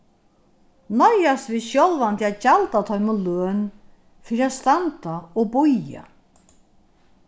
noyðast vit sjálvandi at gjalda teimum løn fyri at standa og bíða